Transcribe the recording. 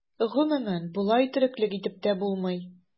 Гомумән, болай тереклек итеп тә булмый.